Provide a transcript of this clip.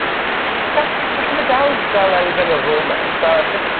Gall galle fe dal ga'l elfen o romance a jys